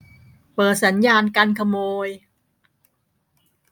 เปิดสัญญาณกันขโมย